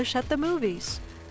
sát tờ mu vi